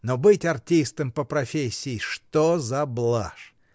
Но быть артистом по профессии — что за блажь!